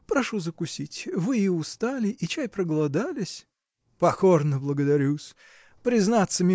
Прошу закусить: вы и устали и, чай, проголодались. – Покорно благодарю-с. Признаться